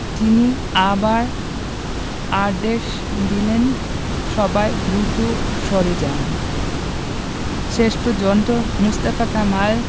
তিনি আবার আদেশ দিলেন সবাই দ্রুত সরে যান শেষ পর্যন্ত মোস্তফা কামালকে